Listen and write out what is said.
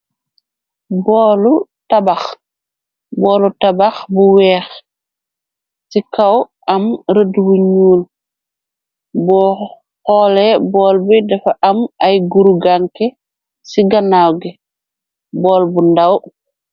Boolu tabax bu weex ci kaw am rëdi wu ñyuul bu xoole bool bi dafa am ay guru ganke ci ganaaw gi bool bu ndaw.